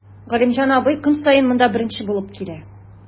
Галимҗан абый көн саен монда беренче булып килә.